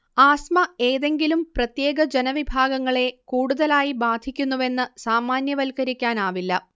asthma ഏതെങ്കിലും പ്രത്യേക ജനവിഭാഗങ്ങളെ കൂടുതലായി ബാധിക്കുന്നുവെന്ന് സാമാന്യവൽക്കരിക്കാനാവില്ല